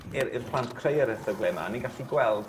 i'r i'r plant creu yr erthygle 'ma ni'n gallu gweld